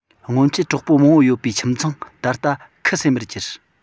སྔོན ཆད གྲོགས པོ མང པོ ཡོད པའི ཁྱིམ ཚང ད ལྟ ཁུ སུམ མེར གྱུར